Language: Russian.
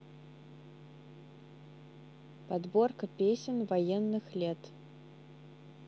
подборка песен военных лет